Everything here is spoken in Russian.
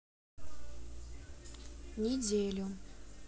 неделю